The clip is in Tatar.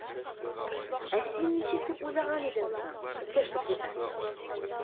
Ә син ничек дип уйлаган идең соң, иптәш секретарь?